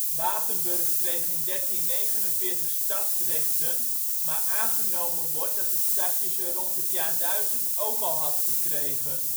Batenburg kreeg in 1349 stadsrechten, maar aangenomen wordt dat het stadje ze rond het jaar 1000 ook al had gekregen